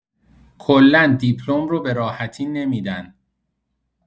کلا دیپلم رو به راحتی نمی‌دن.